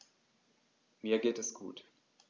Mir geht es gut.